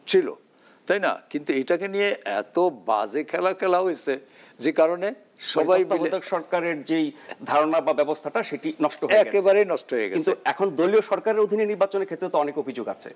ছিল তাই না কিন্তু এটা নিয়ে এত বাজে খেলা খেলা হয়েছে যে কারণে সবাই মিলে তত্ত্বাবধায়ক সরকারের যে ধারণা বা ব্যবস্থাটা সেটা নষ্ট হয়ে গেছে একেবারে নষ্ট হয়ে গেছে কিন্তু এখন দলীয় সরকারের অধীনে নির্বাচনে ক্ষেত্রে কিন্তু অনেক অভিযোগ আছে